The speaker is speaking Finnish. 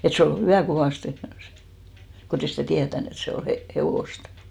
että se oli hyvää kovasti kun ei sitä tietänyt että se on - hevosta